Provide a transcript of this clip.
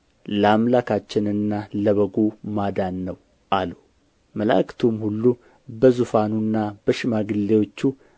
ለአምላካችንና ለበጉ ማዳን ነው አሉ መላእክቱም ሁሉ በዙፋኑና በሽማግሌዎቹ